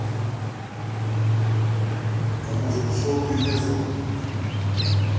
а муж пошел ты лесом